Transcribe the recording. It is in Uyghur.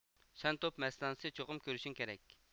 سەن توپ مەستانىسى چوقۇم كۆرۈشۈڭ كېرەك